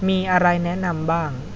มีอะไรแนะนำบ้าง